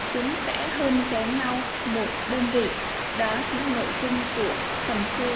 chúng sẽ hơn kém nhau đơn vị đó chính là nội dung của phần c